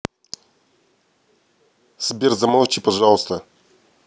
сбер замолчи пожалуйста